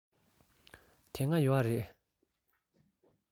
དེ སྔ ཡོད རེད